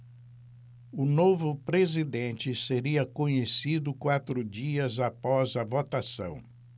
o novo presidente seria conhecido quatro dias após a votação